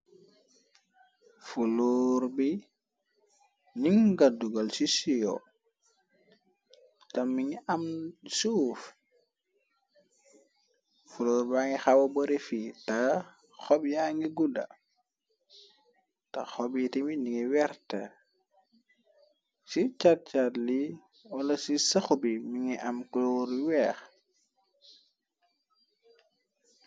Fuloor bi nimu gaddugal ci siwo te mi ngi am suuf fuloor ba ngi xawa bare fi te xob yaa ngi gudda te xobiiti mi dingi weerta ci carcaar li ola ci sëxu bi mi ngi am culoor yu weex.